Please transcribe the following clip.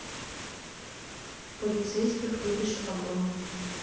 полицейских любишь огонь